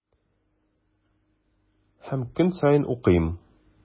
Һәм көн саен укыйм.